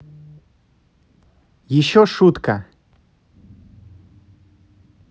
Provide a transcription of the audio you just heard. еще шутка